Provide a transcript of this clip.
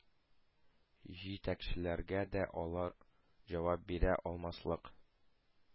Җитәкчеләргә дә алар җавап бирә алмаслык